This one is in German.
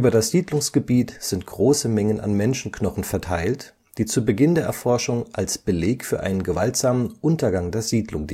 das Siedlungsgebiet sind große Mengen an Menschenknochen verteilt, die zu Beginn der Erforschung als Beleg für einen gewaltsamen Untergang der Siedlung